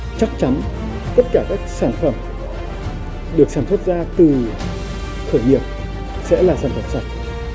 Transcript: chắc chắn tất cả các sản phẩm được sản xuất ra từ thử nghiệm sẽ là sản phẩm sạch